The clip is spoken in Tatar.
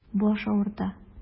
Баш авырта.